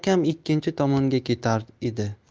akam ikkinchi tomonga ketar edi